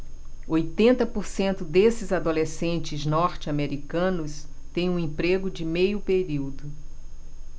oitenta por cento desses adolescentes norte-americanos têm um emprego de meio período